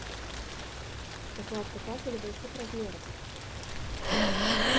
укладка кафеля больших размеров